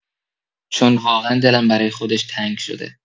چون واقعا دلم برای خودش تنگ شده.